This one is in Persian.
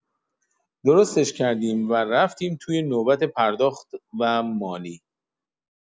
درستش کردیم و رفتیم توی نوبت پرداخت و مالی.